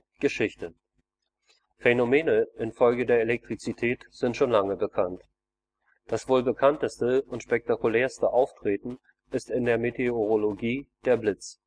Geschichtsabschnitt im Artikel „ Elektrische Ladung “Phänomene zufolge der Elektrizität sind schon lange bekannt, das wohl bekannteste und spektakulärste Auftreten ist in der Meteorologie der Blitz